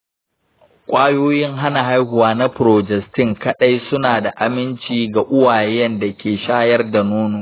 kwayoyin hana haihuwa na progestin kaɗai suna da aminci ga uwayen da ke shayar da nono.